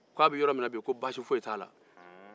ko baasi foyi t'a la bi